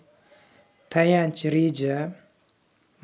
tayanch reja